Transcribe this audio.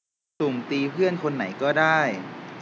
สุ่มตีเพื่อนคนไหนก็ได้